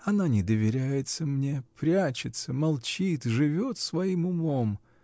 Она не доверяется мне, прячется, молчит, живет своим умом.